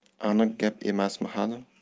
aniq gap emasmi hali